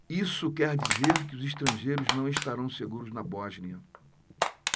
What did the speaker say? isso quer dizer que os estrangeiros não estarão seguros na bósnia